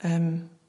Yym.